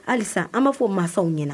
Halisa an b'a fɔ mansaw ɲɛna